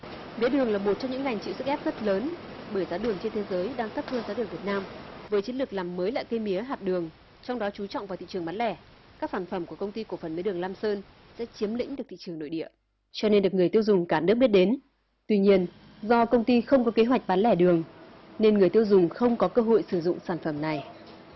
mía đường là một trong những ngành chịu sức ép rất lớn bởi giá đường trên thế giới đang thấp hơn giá điện việt nam với chiến lược làm mới lại cây mía hạt đường trong đó chú trọng vào thị trường bán lẻ các sản phẩm của công ty cổ phần mía đường lam sơn chiếm lĩnh được thị trường nội địa cho nên được người tiêu dùng cả nước biết đến tuy nhiên do công ty không có kế hoạch bán lẻ đường nên người tiêu dùng không có cơ hội sử dụng sản phẩm này